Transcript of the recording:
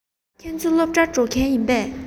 ཁྱེད ཚོ སློབ གྲྭར འགྲོ མཁན ཡིན པས